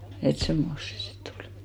että semmoista se sitten oli